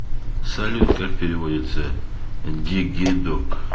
салют как переводится diggy dog